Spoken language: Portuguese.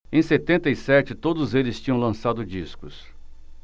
em setenta e sete todos eles tinham lançado discos